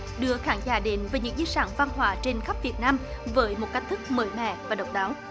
đưa khán giả đến với những di sản văn hóa trên khắp việt nam với một thách thức mới mẻ và độc đáo